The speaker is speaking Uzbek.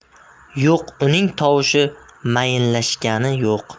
yo'q uning tovushi mayinlashgani yo'q